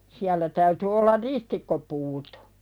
siellä täytyi olla ristikkopuut